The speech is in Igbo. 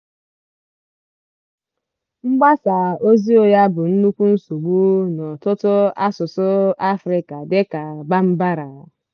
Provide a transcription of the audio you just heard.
Mgbasa oziụgha bụ nnukwu nsogbu n'ọtụtụ asụsụ Africa dịka Bambara.